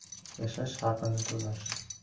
yashash haqini to'lash